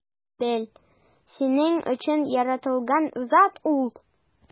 Бел: синең өчен яратылган зат ул!